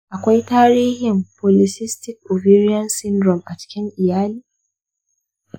akwai tarihin polycystic ovarian syndrome a cikin iyali?